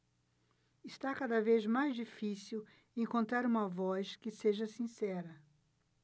está cada vez mais difícil encontrar uma voz que seja sincera